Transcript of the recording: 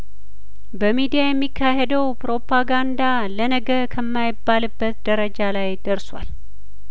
በሚዲያ የሚካሄደው ፕሮፓጋንዳ ለነገ ከማይባልበት ደረጃ ላይ ደርሷል